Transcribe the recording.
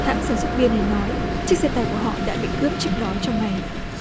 hãng sản xuất bia này nói chiếc xe tải của họ đã bị cướp trước đó trong ngày